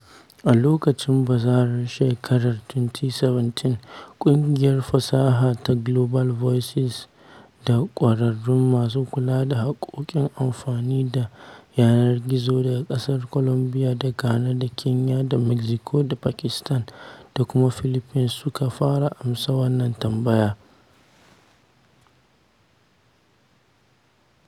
A lokacin bazarar shekarar 2017, ƙungiyar fasaha ta Global Voices da ƙwararrun masu kula da haƙƙoƙin amfani da yanar gizo daga ƙasar Colambia da Ghana da Kenya da Mexico da Pakistan da kuma Philippines suka fara amsa wannan tambaya.